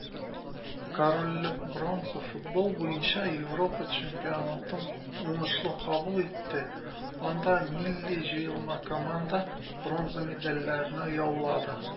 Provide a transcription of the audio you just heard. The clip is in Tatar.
Корольлек бронза футбол буенча Европа чемпионатын уңышлы кабул итте, анда милли җыелма команда бронза медальләрне яулады.